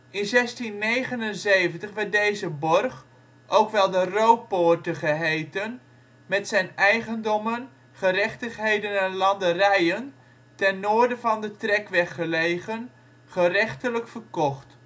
In 1679 werd deze borg, ook wel de " Roopoorte " geheten, met zijn eigendommen, gerechtigheden en landerijen, ten noorden van de trekweg gelegen, gerechtelijk verkocht